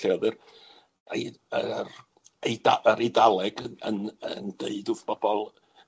lle o'dd yr Ei- yr yr Eida- yr Eidaleg yn yn yn deud wrth bobol